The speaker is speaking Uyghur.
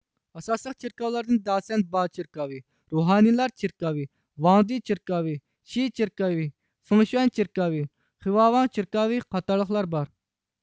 ئاساسلىق چېركاۋلاردىن داسەنبا چېركاۋى روھانىلار چېركاۋى ۋاڭدى چېركاۋى شى چېركاۋى فىڭشۇن چېركاۋى خۋاۋاڭ چېركاۋى قاتارلىقلار بار